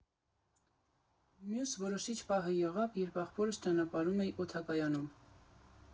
Մյուս որոշիչ պահը եղավ, երբ ախպորս ճանապարհում էի օդակայանում։